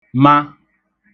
ma